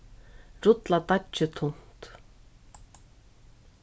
rulla deiggið tunt